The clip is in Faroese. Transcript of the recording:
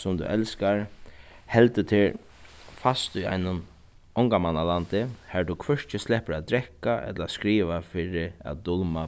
sum tú elskar heldur tær fast í einum onga manna landi har tú hvørki sleppur at drekka ella skriva fyri at dulma